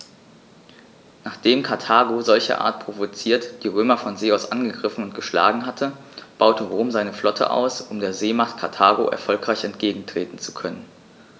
Nachdem Karthago, solcherart provoziert, die Römer von See aus angegriffen und geschlagen hatte, baute Rom seine Flotte aus, um der Seemacht Karthago erfolgreich entgegentreten zu können.